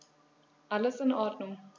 Alles in Ordnung.